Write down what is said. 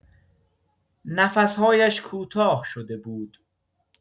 نفس‌هایش کوتاه شده بود.